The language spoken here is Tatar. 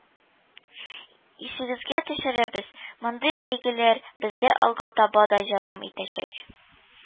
Исегезгә төшерәбез, мондый бәйгеләр бездә алга таба да дәвам җитәчәк